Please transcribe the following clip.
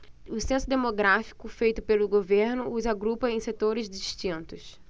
o censo demográfico feito pelo governo os agrupa em setores distintos